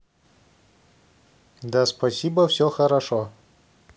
да спасибо все хорошо